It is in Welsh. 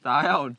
Da iawn.